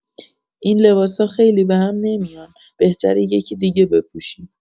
این لباسا خیلی به هم نمیان، بهتره یکی دیگه بپوشی.